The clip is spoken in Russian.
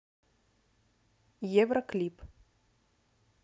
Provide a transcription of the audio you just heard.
евро клип